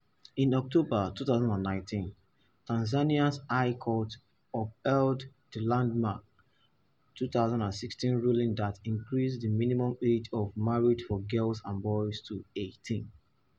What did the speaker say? In October 2019, Tanzania's high court upheld the landmark 2016 ruling that increased the minimum age of marriage for girls and boys to 18.